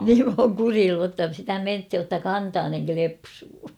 niin minä olen kureillut jotta sitä mentiin jotta kantanen klepsuu